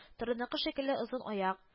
Торнаныкы шикелле озын аяк